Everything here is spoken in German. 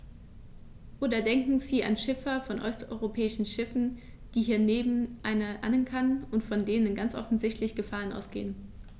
Oder denken Sie an Schiffer von osteuropäischen Schiffen, die hier neben anderen ankern und von denen ganz offensichtlich Gefahren ausgehen.